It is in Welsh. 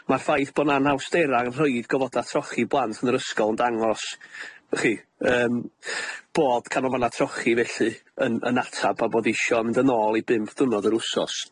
Ma'r ffaith bo' 'na anhawstera' yn rhoid gofoda' trochi i blant yn yr ysgol yn dangos y'chi yym, bod canolfanna trochi felly yn yn atab, a bod isio mynd yn ôl i bump dwrnod yr wsos.